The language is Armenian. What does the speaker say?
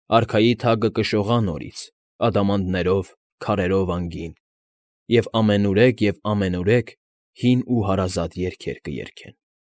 Արքայի թագը կշողա նորից Ադամանդներով, քարերով անգին, Եվ ամենուրեք, և ամենուրեք Հին ու հարազատ երգեր կերգեն։